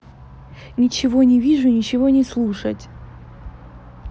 ничего не вижу ничего не слушать